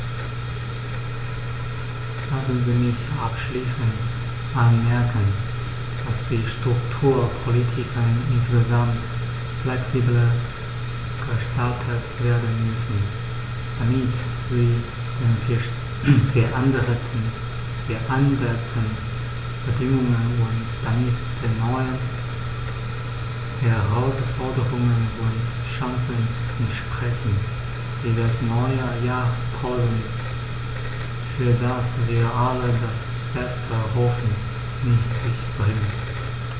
Lassen Sie mich abschließend anmerken, dass die Strukturpolitiken insgesamt flexibler gestaltet werden müssen, damit sie den veränderten Bedingungen und damit den neuen Herausforderungen und Chancen entsprechen, die das neue Jahrtausend, für das wir alle das Beste hoffen, mit sich bringt.